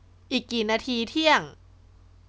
อีกกี่นาทีเที่ยง